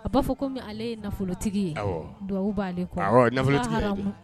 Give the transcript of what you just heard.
A b'a fɔ kɔmi ale ye nafolotigi ye, awɔ, duwɔwu b'a ale kɔ, awɔ nafolotigi a ka haramu.